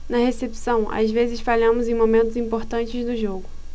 na recepção às vezes falhamos em momentos importantes do jogo